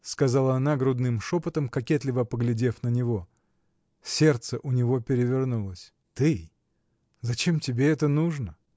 — сказала она грудным шепотом, кокетливо поглядев на него. Сердце у него перевернулось. — Ты? зачем тебе это нужно?